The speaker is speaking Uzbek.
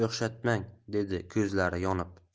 'xshatmang dedi ko'zlari yonib